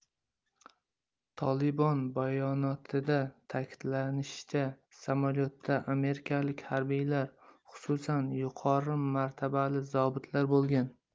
tolibon bayonotida ta'kidlanishicha samolyotda amerikalik harbiylar xususan yuqori martabali zobitlar bo'lgan